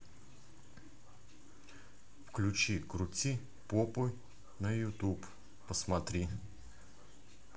включи крутит попой на ютуб